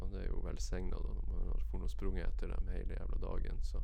Og det er jo velsigna, da, når man har for nå og sprunget etter dem heile jævla dagen, så...